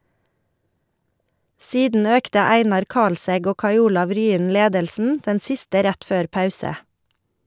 Siden økte Einar Kalsæg og Kai Olav Ryen ledelsen, den siste rett før pause.